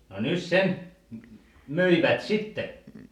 no nyt sen myivät sitten